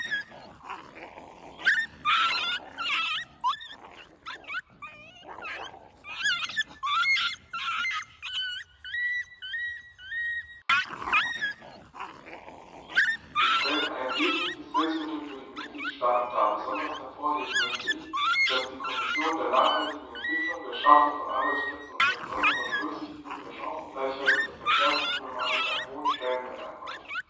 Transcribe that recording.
Sie stellen ein wesentliches Hilfsmittel für die Mitgliedstaaten dar. Besonders hervorheben möchte ich, dass die Kommission der nachhaltigen Entwicklung, der Schaffung von Arbeitsplätzen unter besonderer Berücksichtigung der Chancengleichheit und der Verkehrsproblematik einen hohen Stellenwert einräumt.